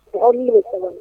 Aw'